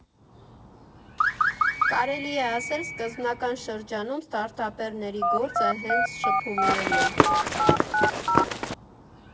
Կարելի է ասել՝ սկզբնական շրջանում ստարտափերների գործը հենց շփումներն են։